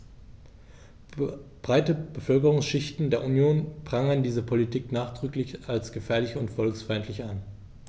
Breite Bevölkerungsschichten der Union prangern diese Politik nachdrücklich als gefährlich und volksfeindlich an.